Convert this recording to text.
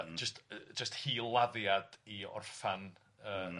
yy jyst yy jyst hiladdiad i orffan yy m-hm.